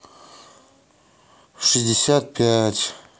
шестьдесят пять